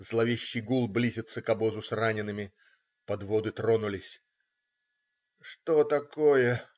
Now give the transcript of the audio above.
Зловещий гул близится к обозу с ранеными. Подводы тронулись. "Что такое?